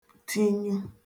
tinyụ